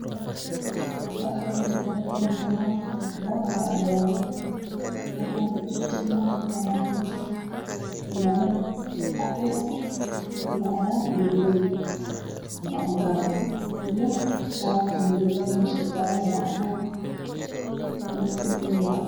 Waxaa ku jira fannaanad waxa ay ku jirtaa boomba caddaan meesha uu saaran yahay waa miis caddaan rabna